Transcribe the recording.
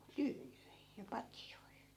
tyynyjä ja patjoja